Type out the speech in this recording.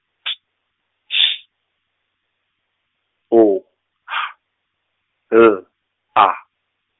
T Š O H L A.